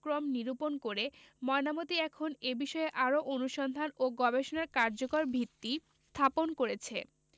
ক্রম নিরূপণ করে ময়নামতী এখন এ বিষয়ে আরও অনুসন্ধান ও গবেষণার কার্যকর ভিত্তি স্থাপন করেছে